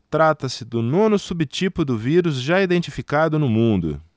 trata-se do nono subtipo do vírus já identificado no mundo